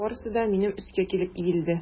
Барысы да минем өскә килеп иелде.